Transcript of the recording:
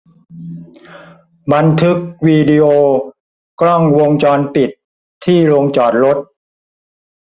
บันทึกวีดีโอกล้องวงจรปิดที่โรงจอดรถ